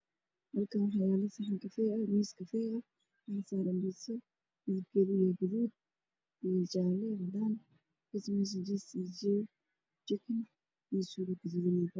Meshaan waxaa yaalo saxan kafee ah iyo miis ka fee ah